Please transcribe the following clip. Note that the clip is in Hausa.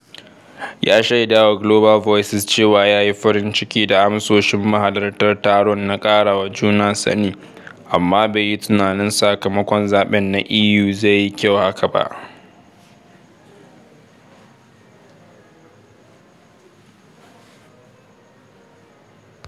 Ya shaida wa Global Voices cewa yayi farin ciki da amsoshin mahalarta taron na ƙarawa juna sani, amma bai yi tunanin sakamakon zaɓen na EU zai yi kyau ba.